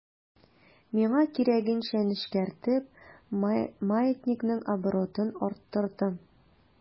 Миңа кирәгенчә нечкәртеп, маятникның оборотын арттырдым.